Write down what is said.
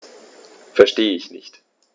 Verstehe nicht.